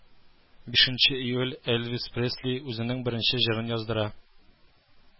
Бишенче июль элвис пресли үзенең беренче җырын яздыра